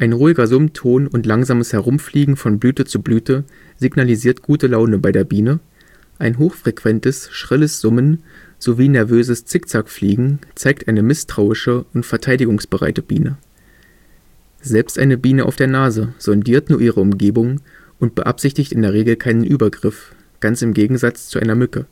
ruhiger Summton und langsames Herumfliegen von Blüte zu Blüte signalisiert „ gute Laune “bei der Biene, ein hochfrequentes, „ schrilles “Summen sowie nervöses Zickzackfliegen zeigt eine misstrauische und verteidigungsbereite Biene. Selbst eine Biene auf der Nase sondiert nur ihre Umgebung und beabsichtigt in der Regel keinen Übergriff, ganz im Gegensatz zu einer Mücke